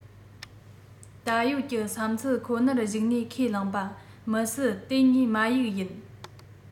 ད ཡོད ཀྱི བསམ ཚུལ ཁོ ནར གཞིགས ནས ཁས བླངས པ མི སྲིད དེ གཉིས མ ཡིག ཡིན